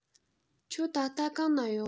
ཁྱོད ད ལྟ གང ན ཡོད